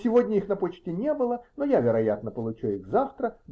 Сегодня их на почте не было; но я, вероятно, получу их завтра.